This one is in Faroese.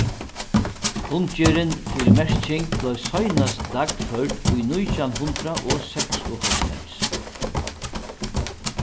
kunngerðin fyri merking bleiv seinast dagførd í nítjan hundrað og seksoghálvfems